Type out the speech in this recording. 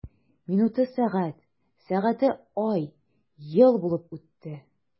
Минуты— сәгать, сәгате— ай, ел булып үтте.